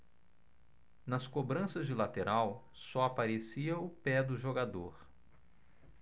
nas cobranças de lateral só aparecia o pé do jogador